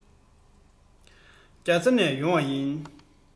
རྒྱ ཚ ནས ཡོང བ ཡིན